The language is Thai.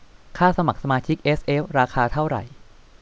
ค่าสมัครสมาชิกเอสเอฟราคาเท่าไหร่